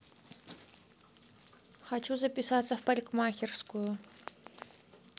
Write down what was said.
хочу записаться в парикмахерскую